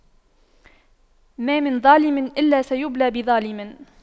ما من ظالم إلا سيبلى بظالم